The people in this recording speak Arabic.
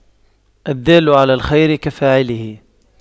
الدال على الخير كفاعله